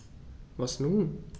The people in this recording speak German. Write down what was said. Was nun?